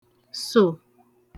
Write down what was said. sò